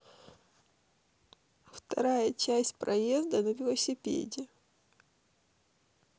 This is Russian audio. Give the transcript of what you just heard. вторая часть проезда на велосипеде